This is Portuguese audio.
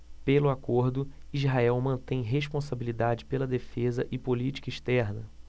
pelo acordo israel mantém responsabilidade pela defesa e política externa